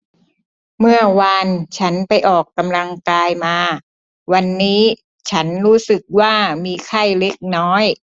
เมื่อวานฉันไปออกกำลังกายมาวันนี้ฉันรู้สึกว่ามีไข้เล็กน้อย